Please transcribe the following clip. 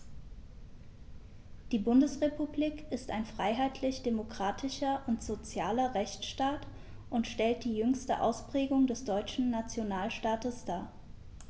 Die Bundesrepublik ist ein freiheitlich-demokratischer und sozialer Rechtsstaat und stellt die jüngste Ausprägung des deutschen Nationalstaates dar.